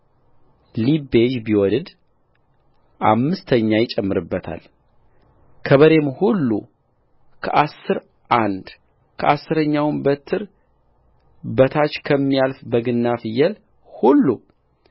ሊቤዥ ቢወድድ አምስተኛ ይጨምርበታልከበሬም ሁሉ ከአሥር አንድ ከእረኛውም በትር በታች ከሚያልፍ በግና ፍየል ሁሉ